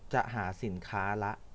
จะหาสินค้าละ